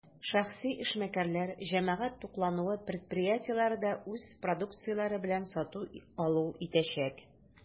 Шәхси эшмәкәрләр, җәмәгать туклануы предприятиеләре дә үз продукцияләре белән сату-алу итәчәк.